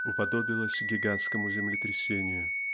уподобилась гигантскому землетрясению